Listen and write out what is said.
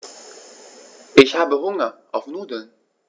Ich habe Hunger auf Nudeln.